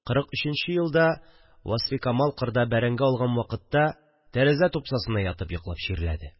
Кырык өченче елда, Васфикамал кырда бәрәңге алган вакытта, тәрәзә тупсасына ятып йоклап чирләде